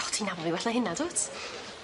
O ti'n nabod fi well na hynna dwt?